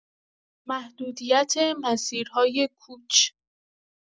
محدودیت مسیرهای کوچ